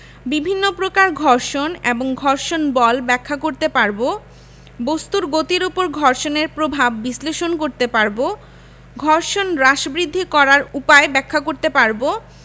বিভিন্ন প্রকার ঘর্ষণ এবং ঘর্ষণ বল ব্যাখ্যা করতে পারব বস্তুর গতির উপর ঘর্ষণের প্রভাব বিশ্লেষণ করতে পারব ঘর্ষণ হ্রাস বৃদ্ধি করার উপায় ব্যাখ্যা করতে পারব